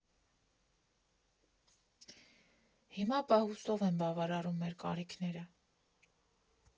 Հիմա պահուստով եմ բավարարում մեր կարիքները։